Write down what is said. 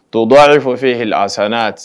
To dɔw a bɛ fɔ fɔ h a san'